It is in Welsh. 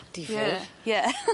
Difir. Ie ie.